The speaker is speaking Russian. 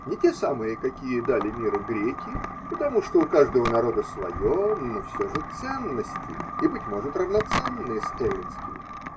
Не те самые, какие дали миру греки, потому что у каждого народа свое, но все же ценности и, быть может, равноценные с эллинскими.